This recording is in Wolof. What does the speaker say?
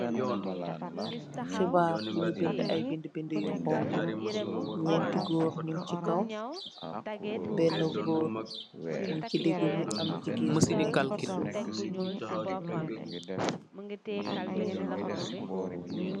Xibarr buñ binduh ay binduh binduh yu xonxo. Nyent goor nyun ci kaw. Bena goor mung ci diguh bi, am jigeen bu neka ci suff.